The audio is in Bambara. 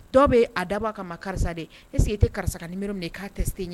Dɔw bɛ a daba ka ma karisa de e sigi i tɛ karisa ka niri minɛ ye k'a tɛ ye